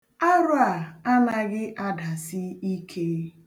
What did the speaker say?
Aro a, anaghị adasi ike.